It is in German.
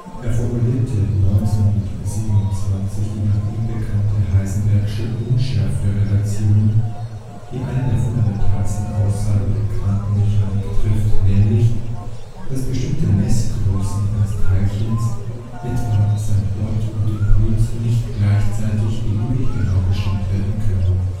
Er formulierte 1927 die nach ihm benannte Heisenbergsche Unschärferelation, die eine der fundamentalen Aussagen der Quantenmechanik trifft – nämlich, dass bestimmte Messgrößen eines Teilchens (etwa sein Ort und Impuls) nicht gleichzeitig beliebig genau bestimmt werden können